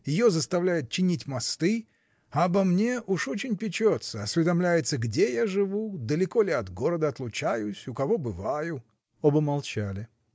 Ее заставляет чинить мосты, а обо мне уж очень печется: осведомляется, где я живу, далеко ли от города отлучаюсь, у кого бываю. Оба молчали.